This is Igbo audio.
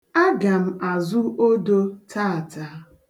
Aga m azụ odo taata.